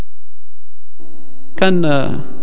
كان